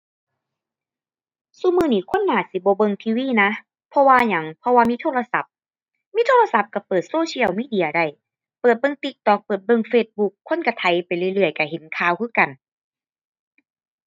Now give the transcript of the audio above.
ซุมื้อนี้คนน่าสิบ่เบิ่ง TV นะ เพราะว่าหยัง เพราะว่ามีโทรศัพท์ มีโทรศัพท์ก็เปิด social media ได้ เปิดเบิ่ง TikTok เปิดเบิ่ง Facebook คนก็ไถไปเรื่อยเรื่อยก็เห็นข่าวคือกัน